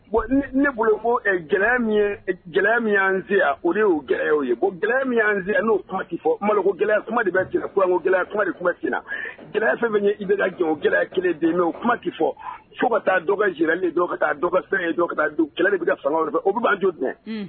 Bon ne bolo gɛlɛya gɛlɛya mine o de y'o gɛlɛya'o ye gɛlɛya min yyanane n'o kuma fɔ ma gɛlɛya de bɛ gɛlɛya ku gɛlɛya kuma kumaina gɛlɛya fɛn bɛ i bɛ ka jɔn gɛlɛya kelen de o kuma tɛ fɔ fo ka taa dɔgɔlen jɔ ka taasɛ jɔ ka taa kɛlɛ de bɛ fanga fɛ o bɛ'a jo dɛmɛ